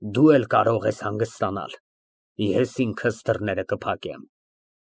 Դու էլ կարող ես հանգստանալ։ Ես ինքս դռները կփակեմ։